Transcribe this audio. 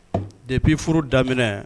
Depi furu daminɛ